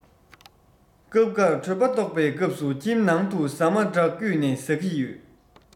སྐབས འགར གྲོད པ ལྟོགས པའི སྐབས སུ ཁྱིམ ནང དུ ཟ མ འདྲ བརྐུས ནས ཟ ཡི ཡོད